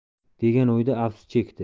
degan o'yda afsus chekdi